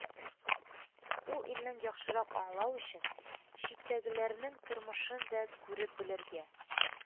Үз илеңне яхшырак аңлау өчен читтәгеләрнең тормышын да күреп-белергә